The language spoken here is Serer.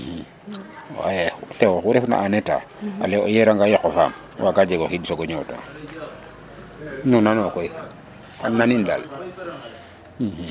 waya o tew a refanga en Etat ale o yeranga yoq o faam waaga jeg o xiid so sogo ñotaa no nana no koy kan nanin daal